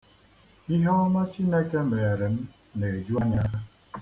Ihe ọma Chineke meere m na-eju anya.